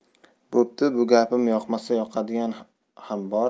bo'pti bu gapim yoqmasa yoqadigani ham bor